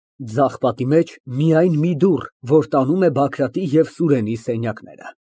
Ձախ պատի մեջ միայն մի դուռ, որ տանում է Բագրատի և Սուրենի սենյակները։